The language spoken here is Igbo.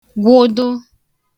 gwụdụ